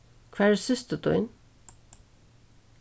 hvar er systir tín